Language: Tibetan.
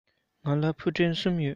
ང ལ ཕུ འདྲེན གསུམ ཡོད